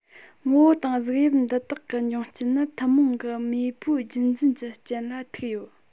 ངོ བོ དང གཟུགས དབྱིབས འདི དག གི འབྱུང རྐྱེན ནི ཐུན མོང གི མེས པོའི རྒྱུད འཛིན གྱི རྐྱེན ལ ཐུག ཡོད